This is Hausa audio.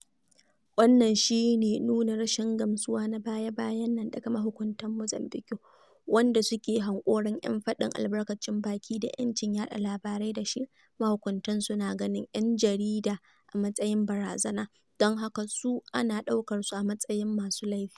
Wannan shi ne nuna rashin gamsuwa na baya-bayan nan daga mahukuntan Mozambiƙue wanda suke hanƙoron 'yan faɗin albarkacin baki da 'yancin yaɗa labarai da shi [mahunkunta] suna ganin 'yan jarida a matsayin barazana... [don haka su] ana ɗaukar su a matsayin masu laifi.